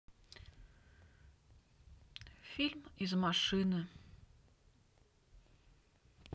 фильм из машины